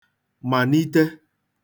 mànite